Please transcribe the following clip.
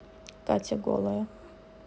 катя голая